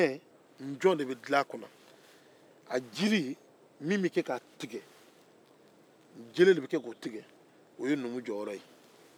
a jiri min bɛ kɛ k'a tigɛ jele de bɛ k'o tigɛ o ye numu jɔrɔ ye